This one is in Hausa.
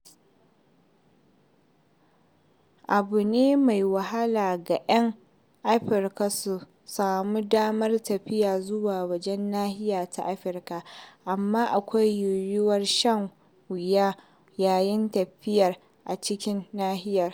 Abu ne mai wahala ga 'yan Afirka su samu damar tafiya zuwa wajen nahiyar ta Afirka - amma akwai yiwuwar shan wuya yayin tafiya a cikin nahiyar.